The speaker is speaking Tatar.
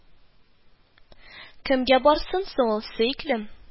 Кемгә барсын соң ул, сөеклем